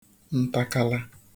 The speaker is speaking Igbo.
ntākala